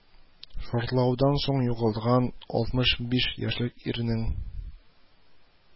Шартлаудан соң югалган алтмыш биш яшьлек ирнең